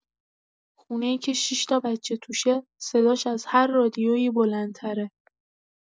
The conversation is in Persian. خونه‌ای که شش‌تا بچه توشه، صداش از هر رادیویی بلندتره.